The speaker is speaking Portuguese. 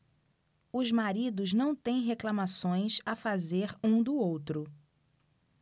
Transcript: os maridos não têm reclamações a fazer um do outro